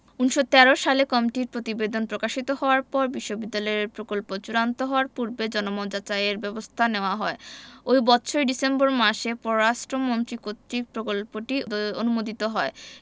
১৯১৩ সালে কমিটির প্রতিবেদন প্রকাশিত হওয়ার পর বিশ্ববিদ্যালয়ের প্রকল্প চূড়ান্ত হওয়ার পূর্বে জনমত যাচাইয়ের ব্যবস্থা নেওয়া হয় ঐ বৎসরই ডিসেম্বর মাসে পররাষ্ট্র মন্ত্রী কর্তৃক প্রকল্পটি অনুমোদিত হয়